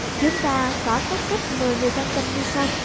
chúng ta có các cách mời người quan tâm như sau